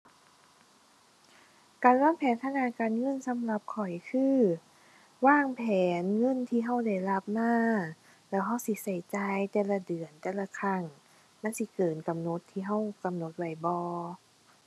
การวางแผนทางด้านการเงินสำหรับข้อยคือ วางแผนเงินที่เราได้รับมา แล้วเราสิเราจ่ายแต่ละเดือน แต่ละครั้ง มันสิเกินกำหนดที่เรากำหนดไว้บ่